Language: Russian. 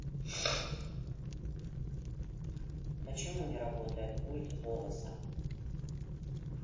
почему не работает пульт голосом